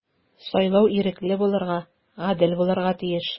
Сайлау ирекле булырга, гадел булырга тиеш.